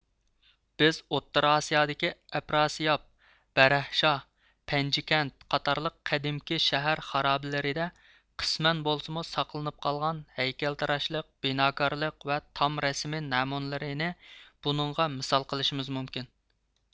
بىز ئوتتۇرا ئاسىيادىكى ئەپراسىياپ بەرەھشاھ پەنجىكەنت قاتارلىق قەدىمكى شەھەر خارابىلىرىدە قىسمەن بولسىمۇ ساقلىنىپ قالغان ھەيكەلتىراشلىق بىناكارلىق ۋە تام رەسىمى نەمۇنىلىرىنى بۇنىڭغا مىسال قىلىشىمىز مۇمكىن